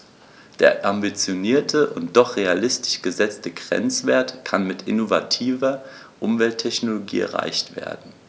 Der ambitionierte und doch realistisch gesetzte Grenzwert kann mit innovativer Umwelttechnologie erreicht werden.